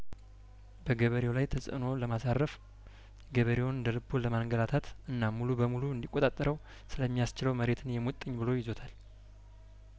በገበሬው ላይ ተጽእኖ ለማሳረፍ ገበሬውን እንደልቡ ለማንገላታት እና ሙሉ በሙሉ እንዲቆጣጠረው ስለሚያስችለው መሬትን የሙጥኝ ብሎ ይዞታል